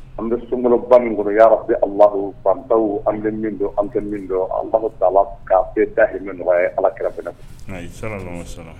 An bɛ sun kɔnɔba minkɔrɔ' bɛ alabaw an bɛ don an bɛ min don ala k' e dayi min nɔgɔya ye ala kira